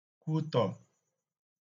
kwutọ̀